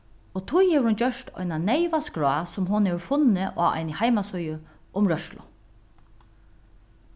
og tí hevur hon gjørt eina neyva skrá sum hon hevur funnið á eini heimasíðu um rørslu